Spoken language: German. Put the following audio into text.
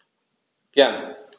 Gern.